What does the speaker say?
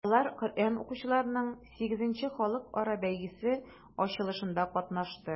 Алар Коръән укучыларның VIII халыкара бәйгесе ачылышында катнашты.